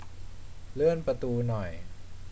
เลื่อนประตูหน่อย